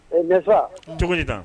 E n'est-ce pas? Cogo di tan?